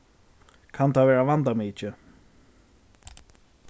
kann tað verða vandamikið